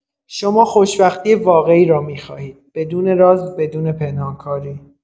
شما خوشبختی واقعی را می‌خواهید، بدون راز، بدون پنهان‌کاری.